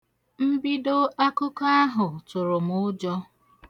Mbido akụkọ ahụ tụrụ m ụjọ.